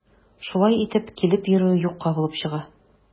Шулай итеп, килеп йөрүе юкка булып чыга.